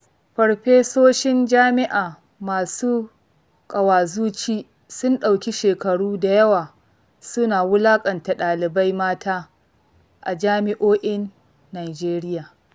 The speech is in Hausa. Farfesoshin jami'a masu ƙawazuci sun ɗauki shekaru da yawa su na wulaƙanta ɗalibai mata a jami'o'in Nijeriya.